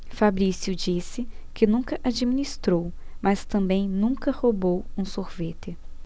fabrício disse que nunca administrou mas também nunca roubou um sorvete